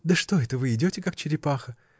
— Да что это вы идете, как черепаха!